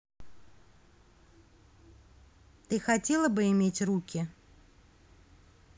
ты хотела бы иметь руки